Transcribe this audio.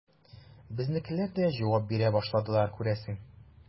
Безнекеләр дә җавап бирә башладылар, күрәсең.